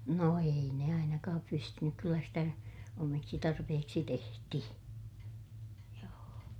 no ei ne ainakaan pystynyt kyllä sitä omiksi tarpeiksi tehtiin joo